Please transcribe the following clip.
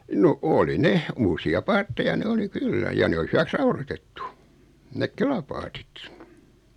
no oli ne uusia paatteja ne oli kyllä ja ne oli hyväksi raudoitettu ne kelapaatit